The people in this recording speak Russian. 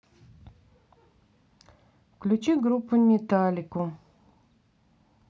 включи группу металлику